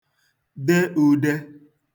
de ūdē